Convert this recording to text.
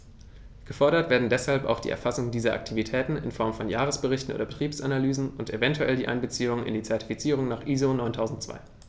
Gefordert werden deshalb auch die Erfassung dieser Aktivitäten in Form von Jahresberichten oder Betriebsanalysen und eventuell die Einbeziehung in die Zertifizierung nach ISO 9002.